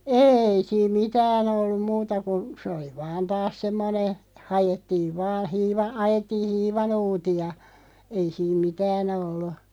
ei siinä mitään ollut muuta kuin se oli vain taas semmoinen haettiin vain - ajettiin hiivanuuttia ei siinä mitään ollut